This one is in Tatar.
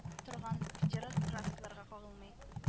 Торган федераль трассаларга кагылмый